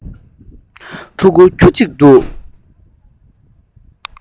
ཕྲུ གུ ཁྱུ གཅིག འདུག